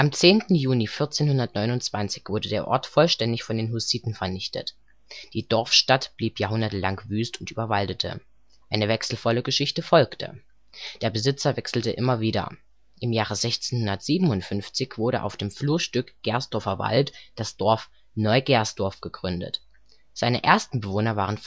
10. Juni 1429 wurde der Ort vollständig von den Hussiten vernichtet. Die Dorfstatt blieb jahrhundertelang wüst und überwaldete. Eine wechselvolle Geschichte folgte. Der Besitzer wechselte immer wieder. Im Jahre 1657 wurde auf dem Flurstück Gersdorfer Wald das Dorf Neu-Gersdorf gegründet. Seine ersten Bewohner waren